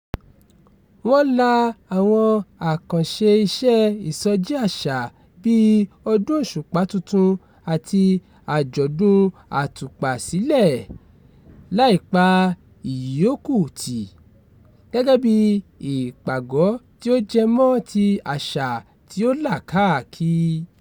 Wọ́n la àwọn àkànṣe iṣẹ́ ìsọjí àṣà bíi Ọdún Òṣùpá Tuntun àti Àjọ̀dún Àtùpà sílẹ̀, láì pa ìyìókù tì, gẹ́gẹ́ bí ìpàgọ́ tí ó jẹ mọ́ ti àṣà tí ó lákaakì.